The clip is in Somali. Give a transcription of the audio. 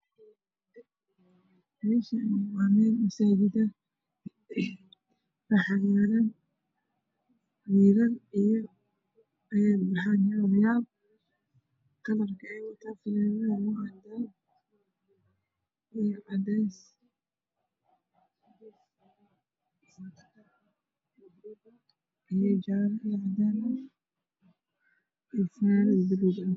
Meeshaani waa meel masajid ah waxaa yaala wiilal iyo odiyaal kalarka ay wataan funaanadaha waa cadaan Iyo cadees sulk a ala da waa buluug, jaalo iyo cadaan ah iyo funaanado cadaan ah